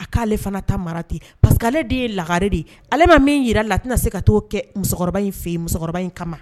A k koale fana ta mara ten paseke que ale de ye lagare de ye ale ma min jira la tɛna se ka t'o kɛ musokɔrɔba in fɛ yen musokɔrɔba in kama